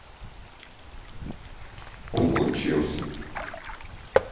кукла челси